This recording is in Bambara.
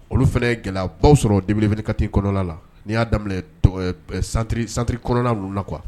Olu fana ye gɛlɛyabaw sɔrɔ 2024 kɔnɔna la, n'i y'a daminɛ centre kɔnɔna olu la quoi.